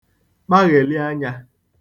kpagheli anya